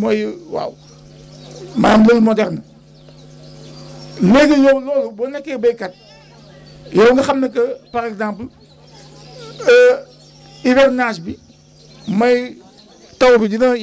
mooy waaw maanaam lël moderne léegi yow loolu boo nekkee béykat yow nga xam ne que par exemple hivernage bi mooy taw bi dina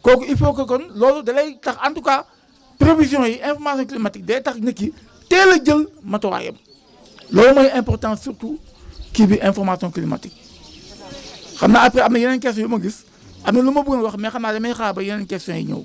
yàgg yow da nga war a jël sa ay matuwaay ku tàmbali ko ci semis bi muy da ngay xool sa calendrier cultural yow bu la wóoree que yow boo jiyee wala boog yow boo jiyee banga xam ne ay ay ay comme ay fin de mai début juin gàncax gi day ñor si diggu nawet bi yow kon loolu da nga war a décalé semis bi parce que yow boo jiyee par exemple dugub boo xam ne day ñor si biir kii bi balaa maanaam balaa taw bi di jeex fekk na moom ñor na foofu dina bëri jafe-jafe parce que foofu yow bu boobaa kon di nga maanaam coono mu ngi si am ah mënoon na ko mënoon na bañ a am bu nekkoon quand même décalé date de semis bi loolu mënna nekk dugub bi mën na nekk tamit gerte bi ak yeneen moo taxit loolu c' est très important ginnaaw loolu nag tamit information climatique dafa am solo ba nga xam ne météo moom si boppam comme tey jamono bii ñu nekk nii moom da lay ne par exemple moom wax na ko léegi léegi taw bi dina dem ba fin octobre dèjà yow fu mu nekk nii kon yow xam nga nu ngay lu lay xaar il faut nga jël kon sa ay matuwaay ah xool léegi yow ban pexe ngay def ah ban kii lan nga war a njëkkee maanaam récolté ban culture nga war a njëkka commencé kooku il faut que kon loolu da lay tax en tout cas prévisions yi informations climatiques day tax nit yi teel a jël matuwaayam loolu mooy importance surtout kii bi information climatique xam naa après am na yeneen questions yu ma gis am na lu ma bëggoon wax mais xam naa damay xaar ba yeneen questions yi ñëw